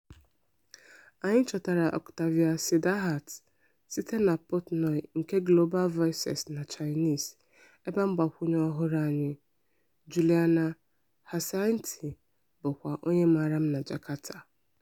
Anyị chọtara Oktavia Sidharta site na Portnoy nke Global Voices na Chinese, ebe mgbakwụnye ọhụrụ anyị, Juliana Harsianti, bụkwa onye maara m na Jakarta.